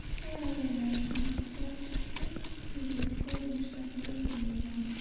Ярый әле шунысы килеп чыкты, югыйсә, нишләргә дә белми идем...